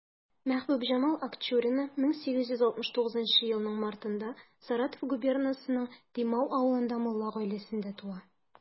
Мәхбүбҗамал Акчурина 1869 елның мартында Саратов губернасындагы Димау авылында мулла гаиләсендә туа.